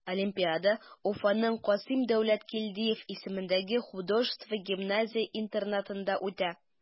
Олимпиада Уфаның Касыйм Дәүләткилдиев исемендәге художество гимназия-интернатында үтә.